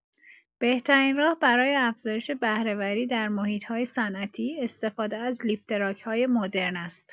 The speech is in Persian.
بهترین راه برای افزایش بهره‌وری در محیط‌های صنعتی، استفاده از لیفتراک‌های مدرن است.